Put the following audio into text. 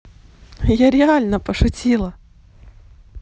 я реально пошутила